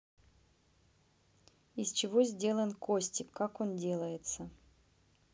из чего сделан костик как он делается